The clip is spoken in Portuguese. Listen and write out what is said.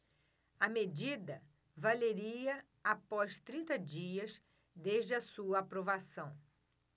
a medida valeria após trinta dias desde a sua aprovação